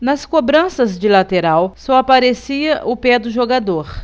nas cobranças de lateral só aparecia o pé do jogador